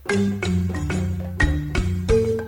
San